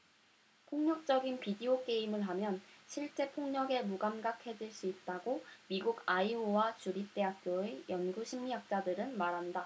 폭력적인 비디오 게임을 하면 실제 폭력에 무감각해질 수 있다고 미국 아이오와 주립 대학교의 연구 심리학자들은 말한다